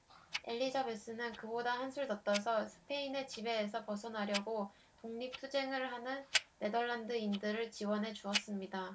엘리자베스는 그보다 한술 더 떠서 스페인의 지배에서 벗어나려고 독립 투쟁을 하는 네덜란드인들을 지원해 주었습니다